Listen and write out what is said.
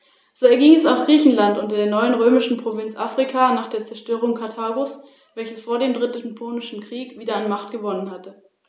Pergamon wurde durch Erbvertrag zur römischen Provinz.